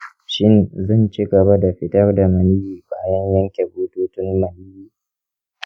shin zan ci gaba da fitar da maniyyi bayan yanke bututun maniyyi?